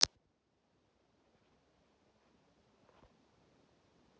ютуб мультфильм рапунцель